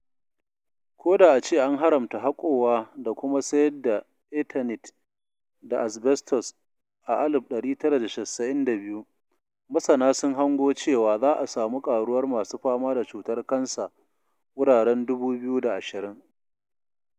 Ko da ace an haramta haƙowa da kuma sayar da Eternit da asbestos a 1992, masana sun hango cewa za a samu ƙaruwar masu fama da cutar kansa wuraren 2020.